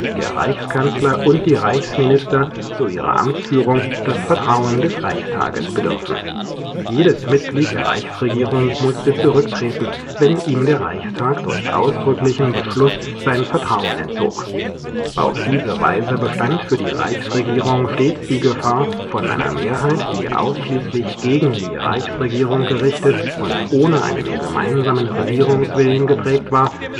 der Reichskanzler und die Reichsminister […] zu ihrer Amtsführung des Vertrauens des Reichstags bedürfen. Jedes Mitglied der Reichsregierung musste zurücktreten, wenn ihm der Reichstag durch ausdrücklichen Beschluss sein Vertrauen entzog. Auf diese Weise bestand für die Reichsregierung stets die Gefahr, von einer Mehrheit, die ausschließlich gegen die Reichsregierung gerichtet und ohne einen gemeinsamen Regierungswillen geprägt war